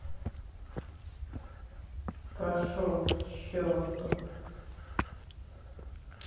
пошел к черту